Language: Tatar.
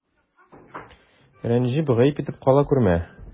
Рәнҗеп, гаеп итеп кала күрмә.